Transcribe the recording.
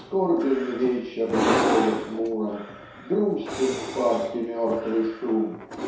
Скорбен вечер в небе хмуром, Грустен в парке мертвый шум.